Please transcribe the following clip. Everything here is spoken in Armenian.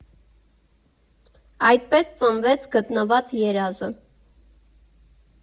Այդպես ծնվեց «Գտնված երազը»։